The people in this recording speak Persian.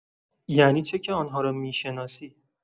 یعنی چه که آن‌ها را می‌شناسی؟!